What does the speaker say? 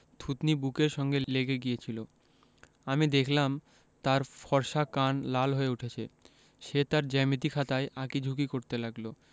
থুতনি বুকের সঙ্গে লেগে গিয়েছিলো আমি দেখলাম তার ফর্সা কান লাল হয়ে উঠছে সে তার জ্যামিতি খাতায় আঁকি ঝুকি করতে লাগলো